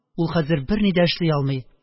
Ул хәзер берни дә эшли алмый,